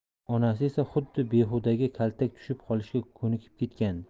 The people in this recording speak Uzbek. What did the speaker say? onasi esa huda behudaga kaltak tushib qolishiga ko'nikib ketgandi